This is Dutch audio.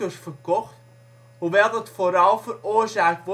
verkocht, hoewel dat vooral veroorzaakt